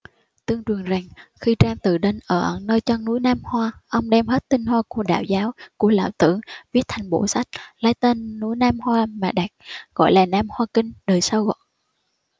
tương truyền rằng khi trang tử đến ở ẩn nơi chân núi nam hoa ông đem hết tinh hoa của đạo giáo của lão tử viết thành bộ sách lấy tên núi nam hoa mà đặt gọi là nam hoa kinh đời sau